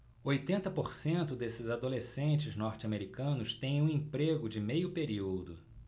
oitenta por cento desses adolescentes norte-americanos têm um emprego de meio período